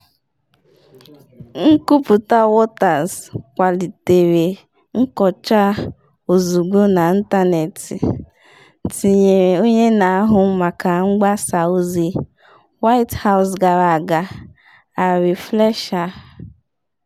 Nkwuputa Waters kpalitere nkọcha ozugbo n’ịntanetị, tinyere onye n’ahụ maka mgbasa ozi White House gara aga Ari Fleischer.